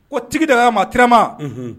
O tigi dagama tirama